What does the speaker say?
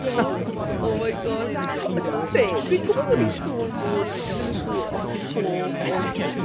Gosh. Oh my gosh. Ond timod be? Dwi'n gwybod bod... mm ...ni'n sôn bod ti ddim yn siŵr os ti'n hoff o'r...